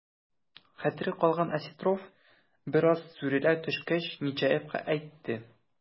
Хәтере калган Осетров, бераз сүрелә төшкәч, Нечаевка әйтте: